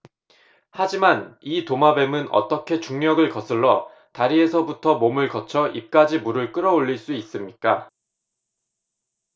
하지만 이 도마뱀은 어떻게 중력을 거슬러 다리에서부터 몸을 거쳐 입까지 물을 끌어 올릴 수 있습니까